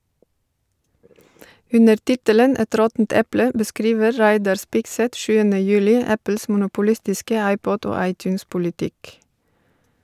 Under tittelen «Et råttent eple» beskriver Reidar Spigseth 7. juli Apples monopolistiske iPod- og iTunes-politikk.